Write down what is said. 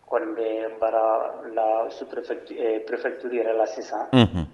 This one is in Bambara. Kɔni bɛ baara la su purpɛrɛt yɛrɛ la sisan